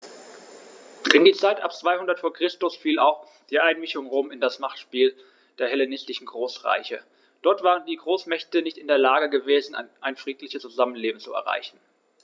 In die Zeit ab 200 v. Chr. fiel auch die Einmischung Roms in das Machtspiel der hellenistischen Großreiche: Dort waren die Großmächte nicht in der Lage gewesen, ein friedliches Zusammenleben zu erreichen.